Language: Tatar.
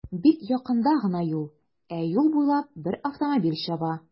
Бик якында гына юл, ә юл буйлап бер автомобиль чаба.